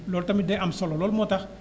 loolu tamit day am solo loolu moo tax